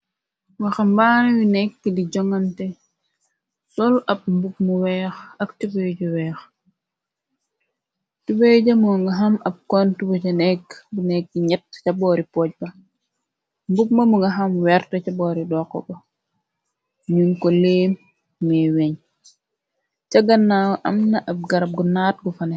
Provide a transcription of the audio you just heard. waxa mbaan yu nekk di jongante soll ab mbukmu wee ak tube ju weex tubey jamoo nga xam ab kontbu ca nekk bu nekki ñett ca boori pooj ba mbuk ma mu nga xam wert ca boori dokxo ba ñuñ ko leem mee weeñ ca gannaaw amna ab garab gu naat gu fane